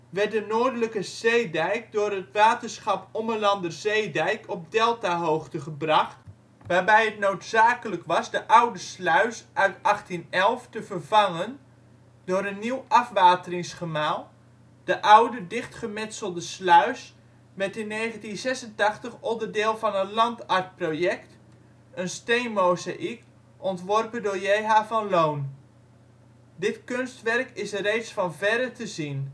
werd de noordelijke zeedijk door het waterschap Ommelanderzeedijk op deltahoogte gebracht, waarbij het noodzakelijk was de oude sluis uit 1811 te vervangen door een nieuw afwateringsgemaal. De oude, dichtgemetselde sluis werd in 1986 onderdeel van een land art project, een steenmozaïek, ontworpen door J.H. van Loon. Dit kunstwerk is reeds van verre te zien